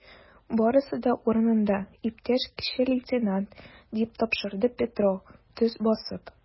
Барысы да урынында, иптәш кече лейтенант, - дип тапшырды Петро, төз басып.